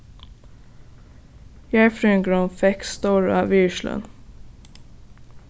jarðfrøðingurin fekk stóra virðisløn